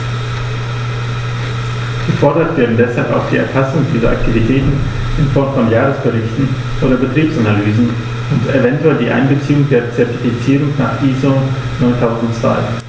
Gefordert werden deshalb auch die Erfassung dieser Aktivitäten in Form von Jahresberichten oder Betriebsanalysen und eventuell die Einbeziehung in die Zertifizierung nach ISO 9002.